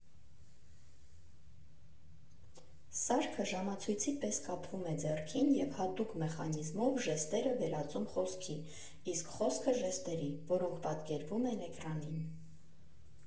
Սարքը ժամացույցի պես կապվում է ձեռքին և հատուկ մեխանիզմով ժեստերը վերածում խոսքի, իսկ խոսքը՝ ժեստերի, որոնք պատկերվում են էկրանին։